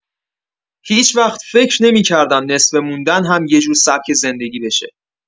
هیچ‌وقت فکر نمی‌کردم نصفه موندن هم یه جور سبک زندگی بشه.